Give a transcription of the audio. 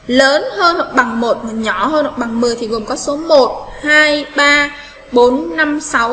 lớn hơn bằng nhỏ hơn hoặc bằng thì gồm các số